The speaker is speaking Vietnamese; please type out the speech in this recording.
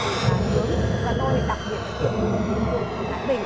từ cá nướng và tôi đặc biệt ấn tượng với một địa phương ở thái bình